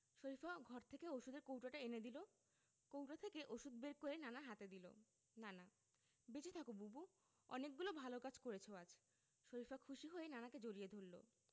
শরিফা ঘর থেকে ঔষধের কৌটোটা এনে দিল কৌটা থেকে ঔষধ বের করে নানার হাতে দিল নানা বেঁচে থাকো বুবু অনেকগুলো ভালো কাজ করেছ আজ শরিফা খুশি হয়ে নানাকে জড়িয়ে ধরল